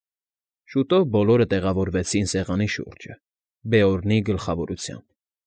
Շուտով բոլորը տեղավորվեցին սեղանի շուրջը՝ Բեորնի գլխավորությամբ։